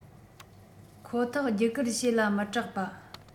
ཁོ ཐག བརྒྱུད བསྐུར བྱས ལ མི སྐྲག པ